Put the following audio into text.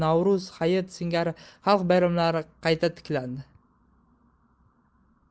navro'z hayit singari xalq bayramlari qayta tiklandi